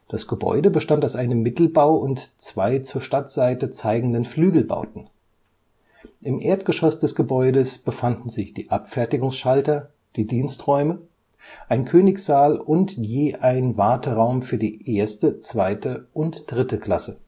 Das Gebäude bestand aus einem Mittelbau und zwei zur Stadtseite zeigenden Flügelbauten. Im Erdgeschoss des Gebäudes befanden sich die Abfertigungsschalter, die Diensträume, ein Königssaal und je ein Warteraum für die erste, zweite und dritte Klasse